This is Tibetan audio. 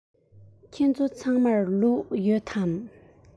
ཁྱེད ཚོ ཚང མར ལུག ཡོད རེད